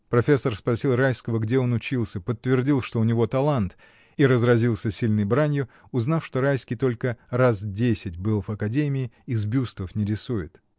Профессор спросил Райского, где он учился, подтвердил, что у него талант, и разразился сильной бранью, узнав, что Райский только раз десять был в академии и с бюстов не рисует.